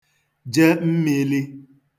je mmīlī